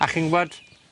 a chi'n gwbod,